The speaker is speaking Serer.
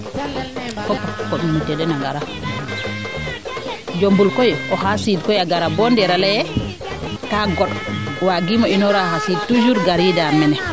fop comité den a ngara Diomboul koy oxay Sid a gara ndeer a leyee kaa goɗ waagiimo inoora xa siid toujours garida mene